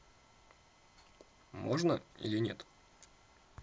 можно или нет